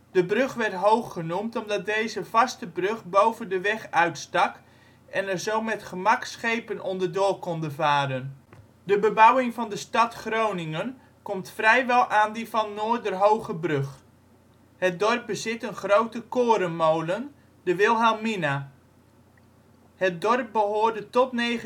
De brug werd hoog genoemd, omdat deze vaste brug boven de weg uitstak en er zo met gemak schepen onderdoor konden varen. De bebouwing van de stad Groningen komt vrijwel aan die van Noorderhoogebrug. Het dorp bezit een grote korenmolen, de Wilhelmina. Het dorp behoorde tot 1969